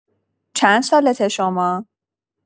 چندسالته شما؟